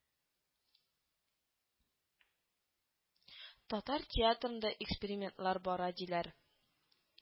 Татар театрында экспериментлар бара диләр